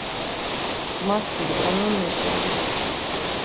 в марте витаминный голод